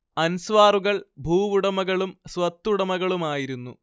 അൻസ്വാറുകൾ ഭൂവുടമകളും സ്വത്തുടമകളുമായിരുന്നു